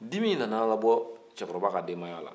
dimi in nana labɔ cɛkɔrɔba ka denbaya la